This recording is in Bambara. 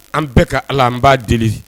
An bɛɛ ka ala an b'a deli